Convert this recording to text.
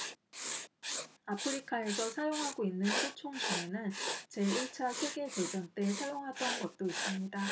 아프리카에서 사용하고 있는 소총 중에는 제 일 차 세계 대전 때 사용하던 것도 있습니다